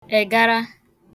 ègara